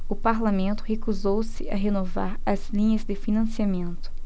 o parlamento recusou-se a renovar as linhas de financiamento